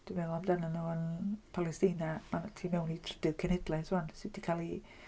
Dwi'n meddwl amdanyn nhw yn Palestina, a tu mewn i trydydd cenhedlaeth 'wan sydd 'di cael eu...